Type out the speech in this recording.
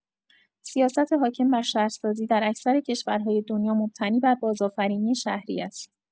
سیاست حاکم بر شهرسازی در اکثر کشورهای دنیا مبتنی بر بازآفرینی شهری است.